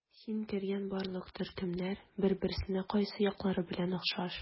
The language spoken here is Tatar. Син кергән барлык төркемнәр бер-берсенә кайсы яклары белән охшаш?